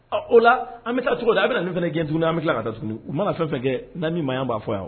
Ɔ o la an be taa cogodi a' bena nunnu fɛnɛ gɛn tuguni an be tila ka taa tuguni u mana fɛn fɛn kɛ na min maɲi an b'a fɔ yan o